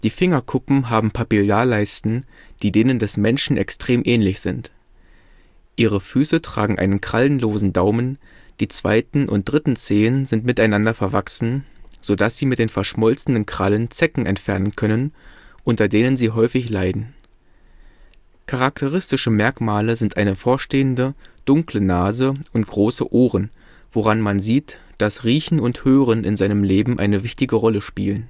Fingerkuppen haben Papillarleisten, die denen des Menschen extrem ähnlich sind. Ihre Füße tragen einen krallenlosen Daumen, die zweiten und dritten Zehen sind miteinander verwachsen, so dass sie mit den verschmolzenen Krallen Zecken entfernen können, unter denen sie häufig leiden. Charakteristische Merkmale sind eine vorstehende, dunkle Nase und große Ohren, woran man sieht, dass Riechen und Hören in seinem Leben eine wichtige Rolle spielen